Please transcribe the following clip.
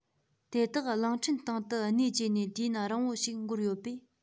དེ དག གླིང ཕྲན སྟེང དུ གནས བཅས ནས དུས ཡུན རིང བོ ཞིག འགོར ཡོད པས